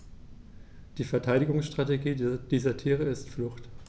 Die Verteidigungsstrategie dieser Tiere ist Flucht.